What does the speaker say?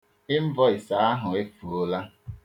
Ịnvọịsị ahụ efuola.